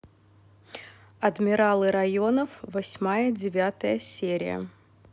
адмиралы районов восьмая девятая серия